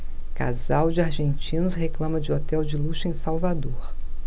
casal de argentinos reclama de hotel de luxo em salvador